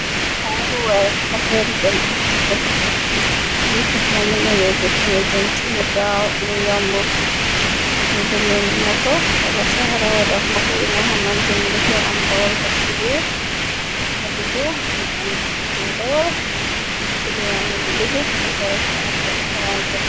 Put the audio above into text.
Waruwaay afeeru dem ak dikka, li tax nga mëna yegg fi nga jëm ci lu gaaw lu yomb ni demee ni moto wala saaray da moto, yi nga xamanteni dafae am dawalkat ci biir nga duggo, mu ame dawal kiliyan yu dug mbu karef naam ay eplant.